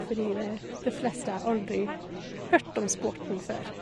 Fordi det det fleste har aldri hørt om sporten før.